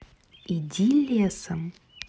иди лесом